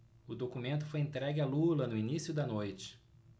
o documento foi entregue a lula no início da noite